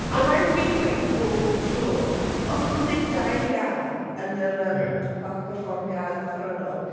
oedd rhaid i fi dweud bob tro os o'n nhw'n wneud dau gân yn yr yym... ie ...fatha'r perfformiad offerynol...